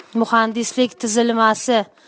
muhandislik tuzilmasi